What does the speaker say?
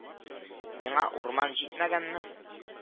– миңа урман җитмәгәнме